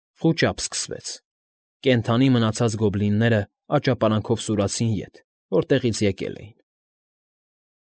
Խուճապ սկսվեց, կենդանի մնացած գոբլինները աճապարանքով սուրացին ետ, որտեղից եկել էին։